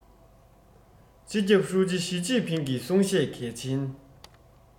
སྤྱི ཁྱབ ཧྲུའུ ཅི ཞིས ཅིན ཕིང གི གསུང བཤད གལ ཆེན